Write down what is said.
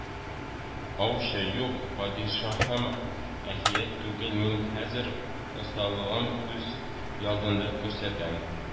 Аучы: «Юк, падишаһым, әкият түгел, мин хәзер осталыгым күз алдында күрсәтәм